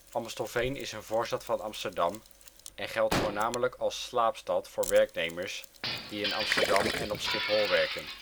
Amstelveen is een voorstad van Amsterdam en geldt voornamelijk als slaapstad voor werknemers die in Amsterdam en op Schiphol werken